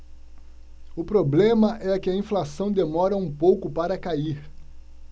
o problema é que a inflação demora um pouco para cair